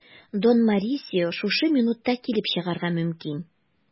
Дон Морисио шушы минутта килеп чыгарга мөмкин.